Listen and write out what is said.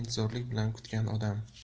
intizorlik bilan kutgan odam